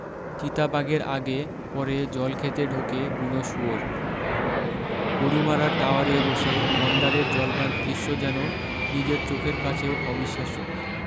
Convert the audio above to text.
চিতা বাঘের আগে পরে জল খেতে ঢোকে বুনো শুয়োর গরুমারার টাওয়ারে বসে গন্ডারের জলপান দৃশ্য যেন নিজের চোখের কাছেও অবিশ্বাস্য